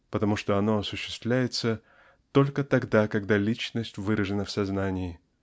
потому что оно осуществляется только тогда когда личность выражена в сознании